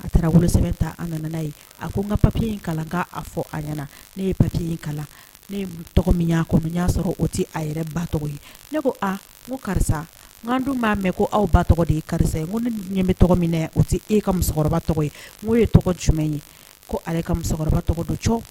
A taara nana ye a ko n ka papi in kalan k' fɔ a ɲɛna ne ye papi kalan ne y'a sɔrɔ o tɛ a yɛrɛ ba tɔgɔ ye ne ko aa karisa n' dun b'a mɛn ko aw ba tɔgɔ de ye karisa ye ko ni ɲɛ bɛ tɔgɔ min o tɛ e ka musokɔrɔba tɔgɔ ye n' ye tɔgɔ jumɛn ye ko ale ka musokɔrɔba tɔgɔ donc